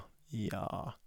Ja.